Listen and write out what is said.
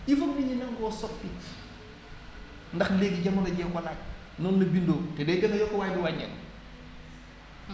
il foog nit ñi nangoo soppi ndax léegi jamono jee ko laaj noonu la bindoo te day gën a yokku waaye du wàññeeku